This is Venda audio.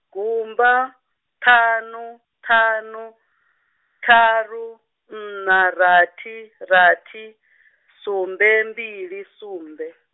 gumba, ṱhanu, ṱhanu, ṱharu, nṋa, rathi, rathi, sumbe mbili sumbe.